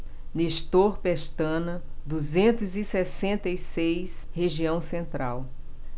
nestor pestana duzentos e sessenta e seis região central